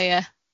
O ia.